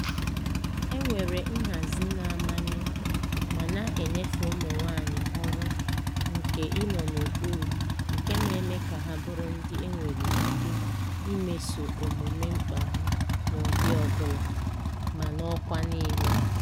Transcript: E nwere nhazi na-amanye ma na-enyefe ụmụ nwaanyị ọrụ nke ịnọ n'okpuru nke na-eme ka ha bụrụ ndị e nwere ike imeso omume mkpagbu n'ụdị ọ bụla ma n'ọkwa niile.